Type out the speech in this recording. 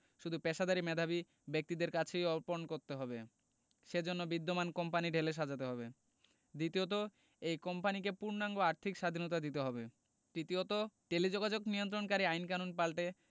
শুধু পেশাদারি মেধাবী ব্যক্তিদের কাছেই অর্পণ করতে হবে সে জন্য বিদ্যমান কোম্পানি ঢেলে সাজাতে হবে দ্বিতীয়ত এই কোম্পানিকে পূর্ণাঙ্গ আর্থিক স্বাধীনতা দিতে হবে তৃতীয়ত টেলিযোগাযোগ নিয়ন্ত্রণকারী আইনকানুন পাল্টে